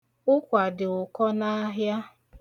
Ụkwa dị ụkọ n'ahịa.